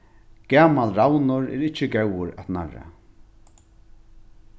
gamal ravnur er ikki góður at narra